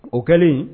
O kɛlen